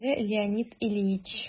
«кадерле леонид ильич!»